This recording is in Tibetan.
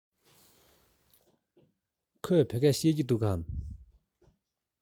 ཁོས བོད སྐད ཤེས ཀྱི འདུག གས